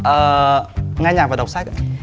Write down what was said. ờ nghe nhạc và đọc sách ạ